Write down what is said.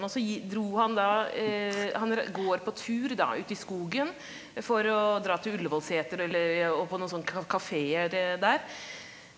og så dro han da han går på tur da ute i skogen for å dra til Ullevålseter eller og på noen sånn kafé uti der.